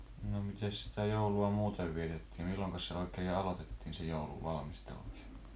no mitenkäs sitä joulua muuten vietettiin milloinkas se oikein aloitettiin se joulun valmistelu